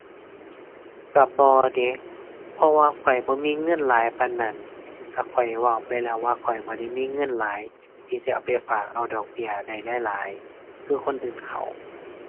ก็บ่เดะ เพราะว่าข้อยบ่มีเงินหลายปานนั้น ก็ข้อยเว้าไปแล้วว่าข้อยบ่ได้มีเงินหลาย ที่สิเอาไปฝากเอาดอกเบี้ยได้หลายหลายคือคนอื่นเขา